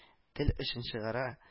Тел очын чыгара